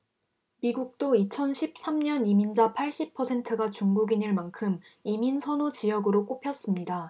미국도 이천 십 삼 년 이민자 팔십 퍼센트가 중국인일 만큼 이민 선호 지역으로 꼽혔습니다